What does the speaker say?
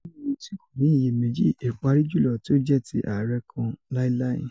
nínú ohun ti ko ni iyemeji "Ipari julọ ti o jẹ ti arẹ kan laelae!"